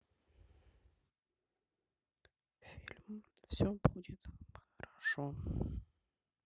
фильм все будет хорошо